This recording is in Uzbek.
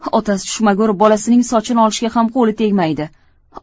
otasi tushmagur bolasining sochini olishga ham qo'li tegmaydi